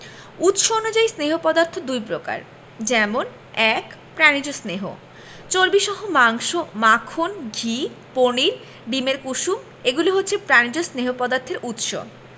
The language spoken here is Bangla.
উৎস অনুযায়ী স্নেহ পদার্থ দুই প্রকার যেমন ১. প্রাণিজ স্নেহ চর্বিসহ মাংস মাখন ঘি পনির ডিমের কুসুম এগুলো হচ্ছে প্রাণিজ স্নেহ পদার্থের উৎস